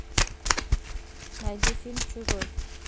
найди фильм чужой